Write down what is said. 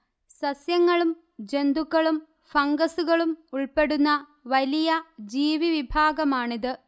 സസ്യങ്ങളും ജന്തുക്കളും ഫംഗസ്സുകളും ഉൾപ്പെടുന്ന വലിയ ജീവിവിഭാഗമാണിത്